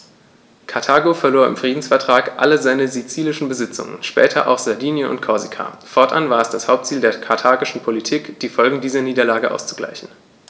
Karthago verlor im Friedensvertrag alle seine sizilischen Besitzungen (später auch Sardinien und Korsika); fortan war es das Hauptziel der karthagischen Politik, die Folgen dieser Niederlage auszugleichen.